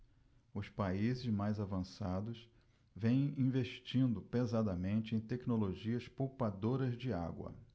os países mais avançados vêm investindo pesadamente em tecnologias poupadoras de água